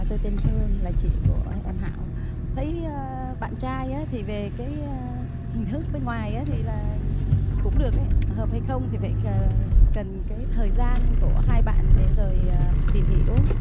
tôi tên hương là chị của em hảo thấy bạn trai á thì về cái hình thức bên ngoài á thì là cũng được ý hợp hay không thì phải cần cái thời gian của hai bạn để rồi tìm hiểu